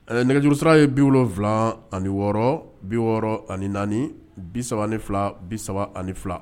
Ɛ nɛgɛjurusi ye bi wolo wolonwula ani wɔɔrɔ bi wɔɔrɔ ani naani bi3 ni fila bi3 ani fila